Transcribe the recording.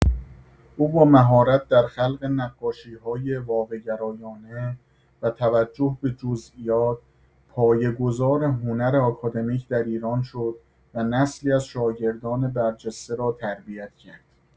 او با مهارت در خلق نقاشی‌های واقع‌گرایانه و توجه به جزئیات، پایه‌گذار هنر آکادمیک در ایران شد و نسلی از شاگردان برجسته را تربیت کرد.